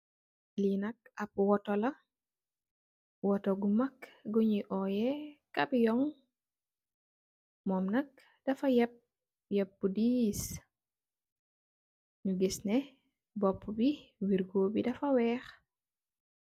Li nak ap woto la, woto gu mak bi ñoy owéé kamion, mum nak dafa yep, yep bu diis ñu gis neh bopú bi wirgo bi dafa wèèx.